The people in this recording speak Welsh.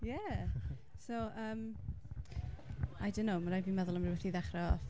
Ie so yym i don't know ma' raid fi meddwl am rywbeth i dechrau off.